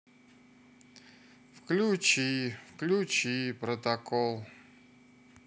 включи включи протокол